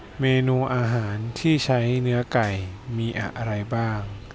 เมนูอาหารที่ใช้เนื้อไก่มีอะไรบ้าง